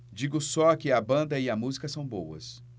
digo só que a banda e a música são boas